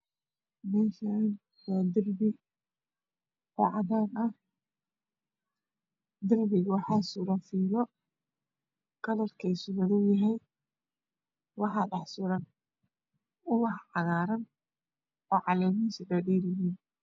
Meeshaan waa darbi oo cagar ah darbiga waxaa suran fiilo kalrkiisu madow yahay waxaa dhax suran ubax cagaaran oo caleemihiisu dhaadheer yihiin